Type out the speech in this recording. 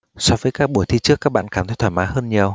so với các buổi thi trước các bạn cảm thấy thoải mái hơn nhiều